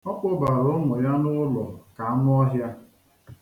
Ọ kpụbara ụmụ ya n'ụlọ ka anụọhịa.